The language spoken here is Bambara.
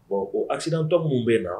Bon o a sirantɔ minnu bɛ na